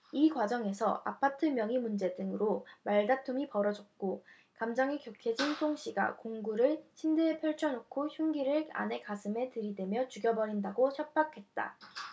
이 과정에서 아파트 명의 문제 등으로 말다툼이 벌어졌고 감정이 격해진 송씨가 공구를 침대에 펼쳐놓고 흉기를 아내 가슴에 들이대며 죽여버린다고 협박했다